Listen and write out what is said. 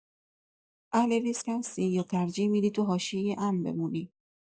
اهل ریسک هستی یا ترجیح می‌دی توی حاشیۀ امن بمونی؟